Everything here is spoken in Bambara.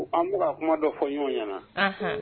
An b' kuma dɔ fɔ y ɲɔgɔn ɲɛnaana